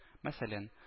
Мәсәлән